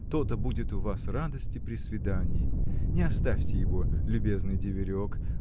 То-то будет у вас радости при свидании! Не оставьте его любезный деверек